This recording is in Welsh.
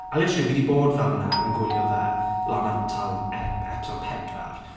A literally fi 'di bod fel 'na yn gwylio fe lan at tal er-episode pedwar.